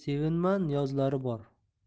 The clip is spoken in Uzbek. sevinma niyozlari bor